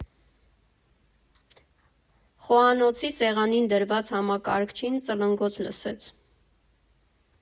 Խոհանոցի սեղանին դրված համակարգչին ծլնգոց լսեց։